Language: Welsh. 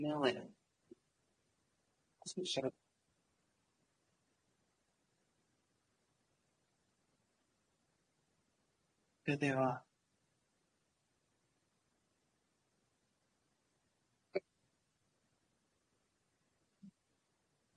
Meoli.